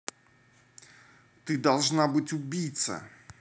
ты должно быть убийца